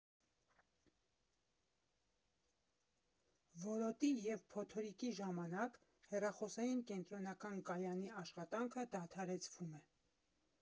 Որոտի և փոթորիկի ժամանակ հեռախոսային կենտրոնական կայանի աշխատանքը դադարեցվում է։